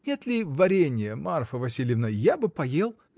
— Нет ли варенья, Марфа Васильевна: я бы поел.